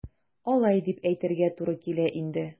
Алай дип әйтергә туры килә инде.